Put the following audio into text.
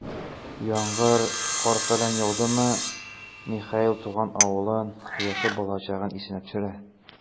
Яңгыр, кар-фәлән яудымы, Михаил туган авылын, кояшлы балачагын исенә төшерә.